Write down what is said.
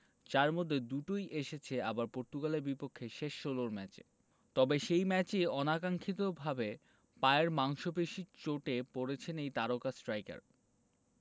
যার মধ্যে দুটোই এসেছে আবার পর্তুগালের বিপক্ষে শেষ ষোলোর ম্যাচে তবে সেই ম্যাচেই অনাকাঙ্ক্ষিতভাবে পায়ের মাংসপেশির চোটে পড়েছেন এই তারকা স্ট্রাইকার